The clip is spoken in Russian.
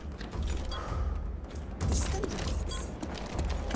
перестань ругаться